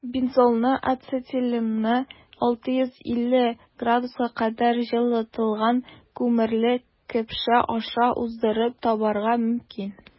Бензолны ацетиленны 650 С кадәр җылытылган күмерле көпшә аша уздырып табарга мөмкин.